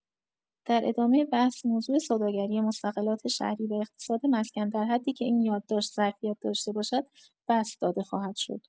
در ادامه بحث، موضوع سوداگری مستغلات شهری و اقتصاد مسکن در حدی که این یادداشت ظرفیت داشته باشد بسط داده خواهد شد.